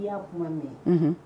I y'a kuma mɛn